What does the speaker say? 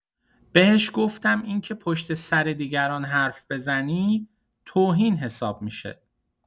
بهش گفتم اینکه پشت‌سر دیگران حرف بزنی، توهین حساب می‌شه.